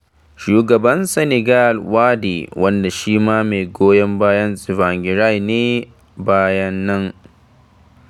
Shugaban Senegal Wade, wanda shi ma mai goyan bayan Tsvangirai ba ya nan.